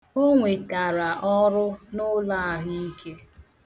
O nwetara ọrụ n'ụlọahụike.